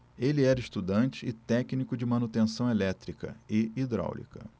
ele era estudante e técnico de manutenção elétrica e hidráulica